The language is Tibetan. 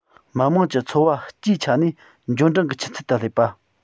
མི དམངས ཀྱི འཚོ བ སྤྱིའི ཆ ནས འབྱོར འབྲིང གི ཆུ ཚད དུ སླེབས པ